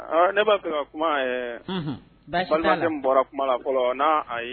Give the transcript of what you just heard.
Ne b'a fɛ kuma balimaden bɔra kuma la fɔlɔ n'a ayi